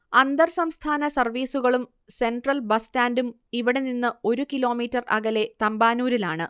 അന്തർസംസ്ഥാന സർവീസുകളും central bus സ്റ്റാൻഡും ഇവിടെനിന്ന് ഒരു കിലോമീറ്റർ അകലെ തമ്പാനൂരിലാണ്